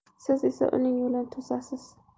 siz esa uning yo'lini to'sasiz